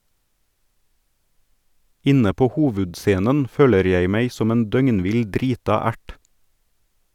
- Inne på Hovudscenen føler jeg meg som en døgnvill, drita ert.